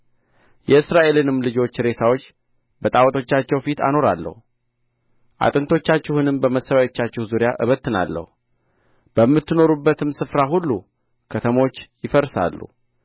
የእስራኤልንም ልጆች ሬሳዎች በጣዖቶቻቸው ፊት አኖራለሁ አጥንቶቻችሁንም በመሠዊያዎቻችሁ ዙሪያ እበትናለሁ በምትኖሩበትም ስፍራ ሁሉ ከተሞቹ ይፈርሳሉ